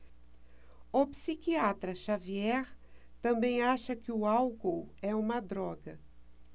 o psiquiatra dartiu xavier também acha que o álcool é uma droga